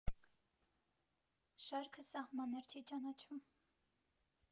Շարքը սահմաններ չի ճանաչում։